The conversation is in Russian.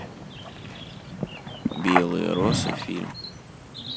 белые росы фильм